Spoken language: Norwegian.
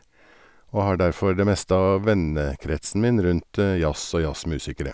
Og har derfor det meste av vennekretsen min rundt jazz og jazzmusikere.